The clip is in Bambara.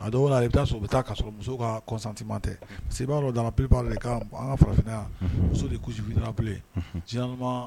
A dɔw b'ala yɛrɛ k'a sɔrɔ musow ka consentiment tɛ parce que i b'a don dans la plupart des cas farafinna yan, musow de couche vulnerable unhu, generalement